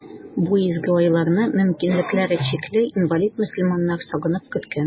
Бу изге айларны мөмкинлекләре чикле, инвалид мөселманнар сагынып көткән.